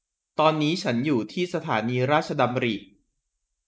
ตอนนี้ฉันอยู่ที่สถานีราชดำริ